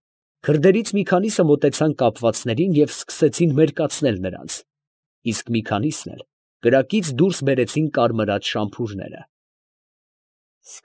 Քրդերից մի քանիսը մոտեցան կապվածներին և սկսեցին մերկացնել նրանց, իսկ մի քանիսն էլ կրակից դուրս բերեցին կարմրած շամփուրները։ ֊